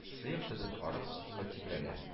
Сыек төтен арык өстендә тибрәлә